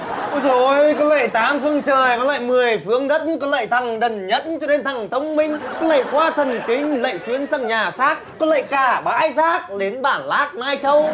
úi rồi ôi con lậy tám phương trời con lậy mười phương đất con lậy thằng đần nhất cho đến thằng thông minh con lậy qua thần kinh lậy xuyên sang nhà xác con lậy cả bãi rác đến bản lác mai châu